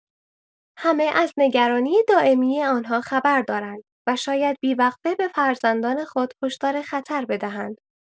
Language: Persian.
همه از نگرانی دائمی آن‌ها خبر دارند و شاید بی‌وقفه به فرزندان خود هشدار خطر بدهند.